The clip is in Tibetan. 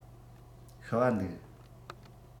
ཤི པ འདུག